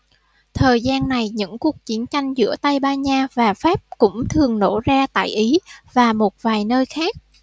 thời gian này những cuộc chiến tranh giữa tây ban nha và pháp cũng thường nổ ra tại ý và một vài nơi khác